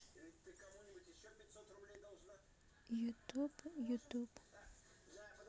ютюб ютюб